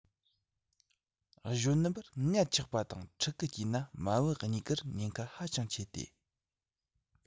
གཞོན ནུ མར མངལ ཆགས པ དང ཕྲུ གུ སྐྱེས ན མ བུ གཉིས ཀར ཉེན ཁ ཧ ཅང ཆེ སྟེ